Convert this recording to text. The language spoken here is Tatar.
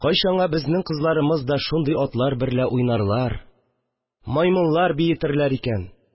Кайчанга безнең кызларымыз да шундый атлар берлә уйнарлар, маймыллар биетерләр икән